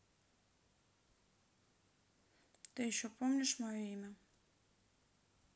ты еще помнишь мое имя